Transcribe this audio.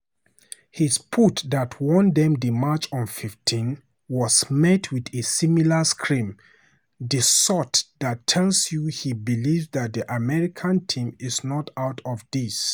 His putt that won them the match on 15 was met with a similar scream, the sort that tells you he believes that the American team is not out of this.